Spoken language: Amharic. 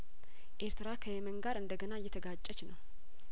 ኤርትራ ከየመን ጋር እንደገና እየተጋጨች ነው